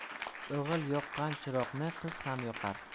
o'g'il yoqqan chiroqni qiz ham yoqar